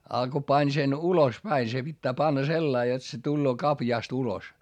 ja kun pani sen ulos päin se pitää panna sellainen jotta se tulee kaviosta ulos